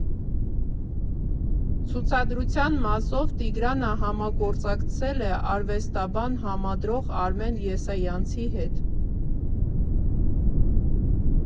Ցուցադրության մասով Տիգրանը համագործակցել է արվեստաբան, համադրող Արմեն Եսայանցի հետ։